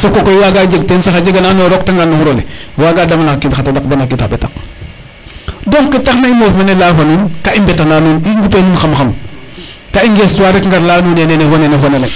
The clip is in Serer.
soko koy waga jeg ten sax a jega na ando naye o rok tanagan no xurole waga damel xa qiid xa tadaq bona xa qid ɓetaq donc taxna i moof mene leya fo nuun ka i mbeta na nuun i ngupe nuun xam xam ka i ngestu wa rek gar leya nuun nene fo nene